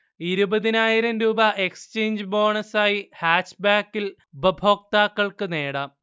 ഇരുപതിനായിരം രൂപ എക്സ്ചേഞ്ച് ബോണസായി ഹാച്ച്ബാക്കിൽ ഉപഭോക്താക്കൾക്ക് നേടാം